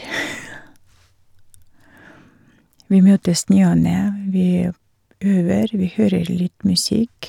Vi møtes ny og ne, vi øver, vi hører litt musikk.